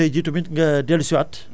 tey jii tamit nga dellu si waat